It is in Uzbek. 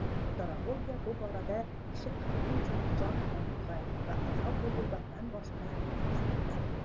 futurologiya bu borada kishi qalbi uchun jon qiynog'i va azob uqubatdan boshqa narsa emas edi